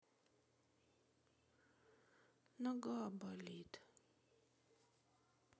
нога болит